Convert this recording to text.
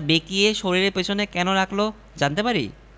আমি অদ্য ভাোরে খুলনা রওনা হচ্ছি সরাসরি কুমীর ধরা ছাড়া অন্য পথ দেখছি না